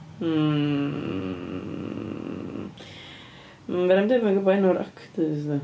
Hmm... Fedrai ddim deud bod dwi'n gwbod enw'r actors ie.